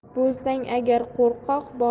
bo'lsang agar qo'rqoq